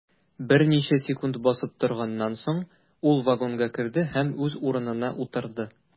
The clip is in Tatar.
Берничә секунд басып торганнан соң, ул вагонга керде һәм үз урынына утырды.